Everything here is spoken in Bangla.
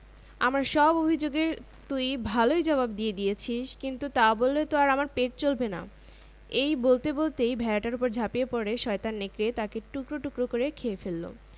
আমার সব অভিযোগ এর তুই ভালই জবাব দিয়ে দিয়েছিস কিন্তু তা বললে তো আর আমার পেট চলবে না এই বলতে বলতেই ভেড়াটার উপর ঝাঁপিয়ে পড়ে শয়তান নেকড়ে তাকে টুকরো টুকরো করে খেয়ে ফেলল